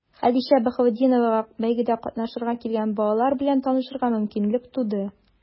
Хәдичә Баһаветдиновага бәйгедә катнашырга килгән балалар белән танышырга мөмкинлек туды.